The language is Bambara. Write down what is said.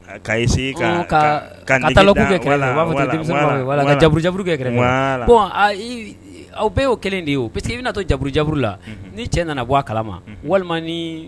Ka kɛ a b'auru jauru kɛ ko aw bɛɛ y'o kelen de ye p que iatɔ jauru jauru la ni cɛ nana bɔ a kala ma walima